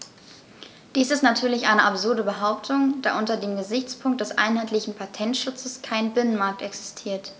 Dies ist natürlich eine absurde Behauptung, da unter dem Gesichtspunkt des einheitlichen Patentschutzes kein Binnenmarkt existiert.